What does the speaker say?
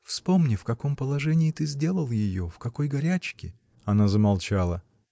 Вспомни, в каком положении ты сделал ее, в какой горячке!. Она замолчала.